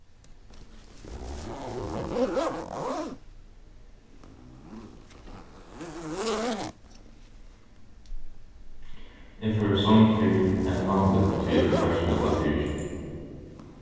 eg fór í song fyrr enn vanligt tí eg var so illa fyri